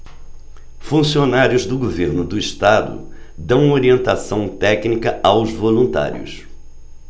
funcionários do governo do estado dão orientação técnica aos voluntários